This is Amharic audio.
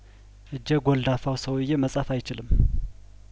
እጀ ጐልዳፋው ሰውዬ መጻፍ አይችልም